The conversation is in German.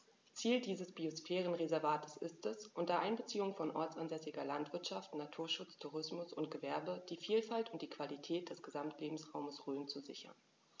Ziel dieses Biosphärenreservates ist, unter Einbeziehung von ortsansässiger Landwirtschaft, Naturschutz, Tourismus und Gewerbe die Vielfalt und die Qualität des Gesamtlebensraumes Rhön zu sichern.